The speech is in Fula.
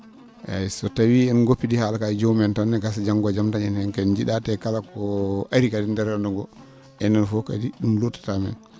eeyi so tawii en goppidii haala ka e jomumen tan ene gasa janngo e jam dañen heen ko en nji?aa te kala ko ari kadi e ndeer renndo ngo enen fof kadi ?um luutata men